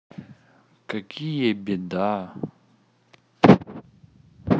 какие беда